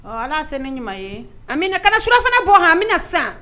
Ɔ ala se ne ɲuman ye a bɛna ka suurrafana bɔ h an bɛna na sisan